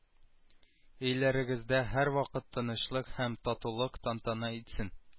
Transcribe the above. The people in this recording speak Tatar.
Өйләрегездә һәрвакыт тынычлык һәм татулык тантана итсен